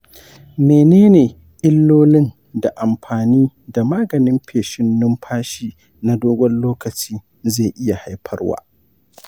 mene ne illolin da amfani da maganin feshin numfashi na dogon lokaci zai iya haifarwa?